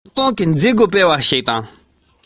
ཁ བ བབས པའི ཞོགས པའི སྐོར གྱི